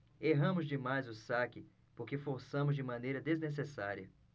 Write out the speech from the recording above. erramos demais o saque porque forçamos de maneira desnecessária